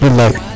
bilay